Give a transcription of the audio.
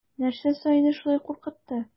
Нәрсә саине шулай куркытты?